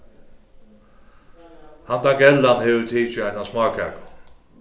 handan gellan hevur tikið eina smákaku